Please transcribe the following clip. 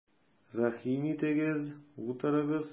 Рәхим итегез, утырыгыз!